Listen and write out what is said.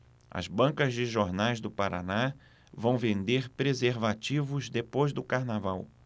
as bancas de jornais do paraná vão vender preservativos depois do carnaval